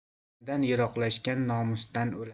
vatandan yiroqlashgan nomusdan o'lar